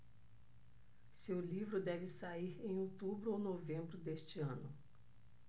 seu livro deve sair em outubro ou novembro deste ano